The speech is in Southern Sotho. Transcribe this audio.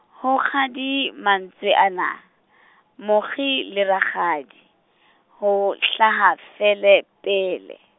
ho kgadi mantswe ana , mokgi le rakgadi, ho hlaha lefe pele?